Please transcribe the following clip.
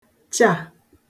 chà